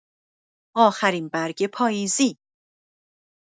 آخرین برگ پاییزی